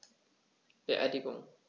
Beerdigung